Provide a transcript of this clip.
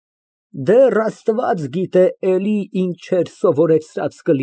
Նա տվեց, Բագրատ, բոլորը, ինչ որ ասում է նա ճշմարտություն է։ Ահ, այս միտքը կարող է ինձ խելքից հանել։ (Ընկճված անցուդարձ է անում։